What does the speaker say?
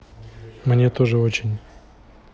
мне тоже очень